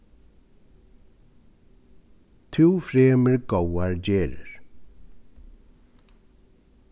tú fremur góðar gerðir